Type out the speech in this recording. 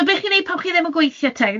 So be' chi'n 'neud pan chi ddim yn gweithio te?